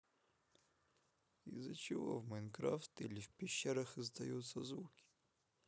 из за чего в minecraft или в пещерах издаются звуки